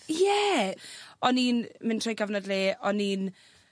Ie, o'n i'n mynd trwy cyfnod le o'n i'n